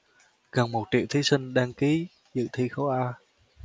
gần một triệu thí sinh đăng ký dự thi khối a